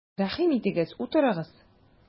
Рәхим итегез, утырыгыз!